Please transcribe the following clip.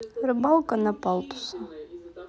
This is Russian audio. рыбалка на палтуса